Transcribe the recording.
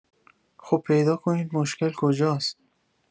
خب پیدا کنید مشکل کجاست